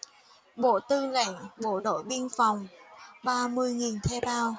bộ tư lệnh bộ đội biên phòng ba mươi nghìn thuê bao